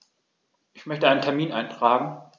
Ich möchte einen Termin eintragen.